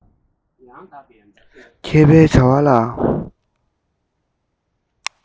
མཁས པའི བྱ བ ལ